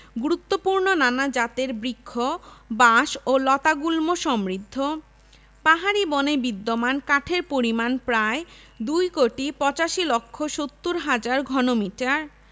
গুরুত্বপূর্ণ নানা জাতের বৃক্ষ বাঁশ ও লতা গুল্মসমৃদ্ধ পাহাড়ি বনে বিদ্যমান কাঠের পরিমাণ প্রায় ২ কোটি ৮৫ লক্ষ ৭০ হাজার ঘন মিটার